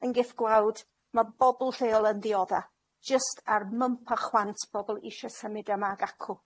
yn gyff gwawd. Ma' bobol lleol yn ddiodda', jyst ar mymp a chwant bobol isie symud yma ag acw.